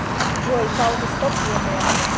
джой пауза стоп не было